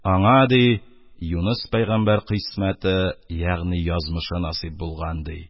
Аңа, ди, юныс пәйгамбәр кыйсмәте ягъни язмышы насыйп булган, ди,